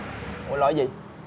ủa lỗi gì